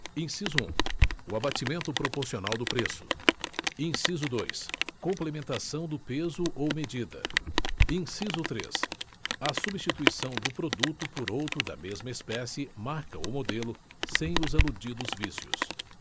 inciso um o abatimento proporcional do preço inciso dois complementação do peso ou medida inciso três a substituição do produto por outro da mesma espécie marca ou modelo sem os aludidos vícios